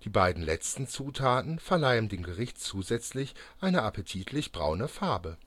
beiden letzten Zutaten verleihen dem Gericht zusätzlich eine appetitlich-braune Farbe